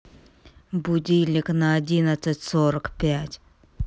будильник на одиннадцать сорок пять